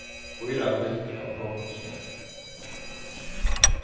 fýra blikk av kokusmjólk